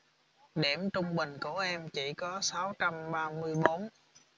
điểm trung bình của em chỉ có sáu trăm ba mươi bốn